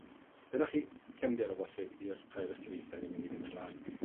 Dyna chi cefndir o bosib i'r rhai o'r ystyriaethe ni mynd i fynd ymla'n